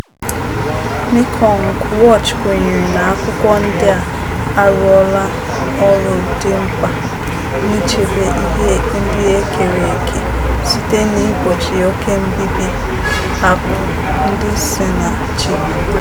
Mekong Watch kwenyere na akụkọ ndị a "arụọla ọrụ dị mkpa n' ichebe ihe ndị e kere eke site n'igbochi oke mbibi akụ ndị si na chi".